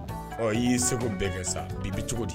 Ɔ i'i segu bɛɛ kɛ sa ii bɛ cogo di